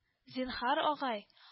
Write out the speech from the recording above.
— зинһар, агай